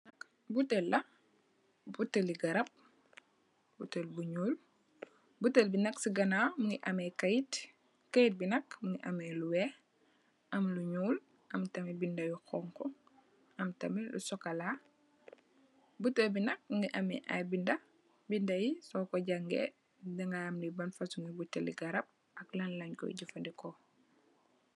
Butèèl la butèèlli garap butèèl bu ñuul. Butèèl bi nak ci ganaw mugii ameh kayit, kayit bi nak mugii ameh lu wèèx am lu ñuul am tamit bindé yu xonxu am tamit lu sokola. Butèèl bi nak mugii ameh ay bindé, bindé yu so ko jangèè di ga xam li ban fasungi butèèl li garap ak lan lañ koy jafandiko.